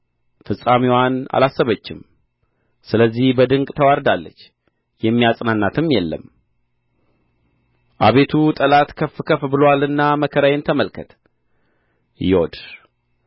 ፍጻሜዋን አላሰበችም ስለዚህ በድንቅ ተዋርዳለች የሚያጽናናትም የለም አቤቱ ጠላት ከፍ ከፍ ብሎአልና መከራዬን ተመልከት ዮድ